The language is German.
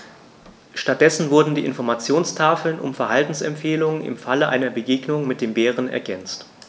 Stattdessen wurden die Informationstafeln um Verhaltensempfehlungen im Falle einer Begegnung mit dem Bären ergänzt.